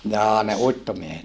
jaa ne uittomiehet